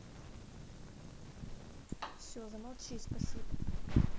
все замолчи спасибо